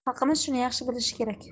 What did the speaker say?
xalqimiz shuni yaxshi bilishi kerak